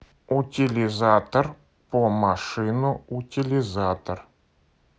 утилизатор по машину утилизатор